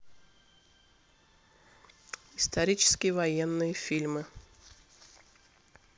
исторические военные фильмы